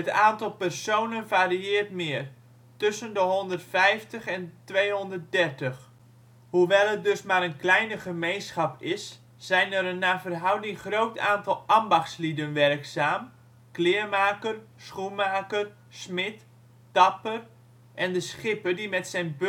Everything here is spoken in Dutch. aantal personen varieert meer: tussen de 150 en 230. Hoewel het dus maar een kleine gemeenschap is zijn er een naar verhouding groot aantal ambachtslieden werkzaam: kleermaker, schoenmaker, smid, tapper en de schipper die met zijn beurtschip